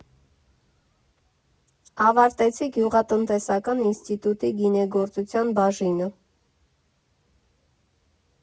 Ավարտեցի գյուղատնտեսական ինստիտուտի գինեգործության բաժինը։